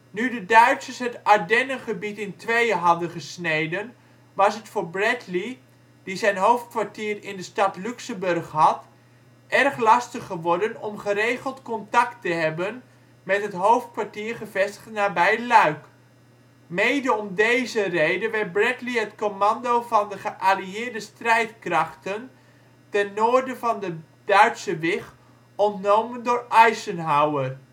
de Duitsers het Ardennengebied in tweeën hadden gesneden, was het voor Bradley, die zijn hoofdkwartier in de stad Luxemburg had, erg lastig geworden om geregeld contact te hebben met het hoofdkwartier gevestigd nabij Luik. Mede om deze reden werd Bradley het commando van de geallieerde strijdkrachten ten noorden van de Duitse wig ontnomen door Eisenhower